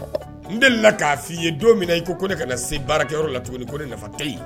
N deli la k'a fɔ i ye don min na i ko ne kana se baarakɛyɔrɔ la tuguni ko ne nafa tɛ yen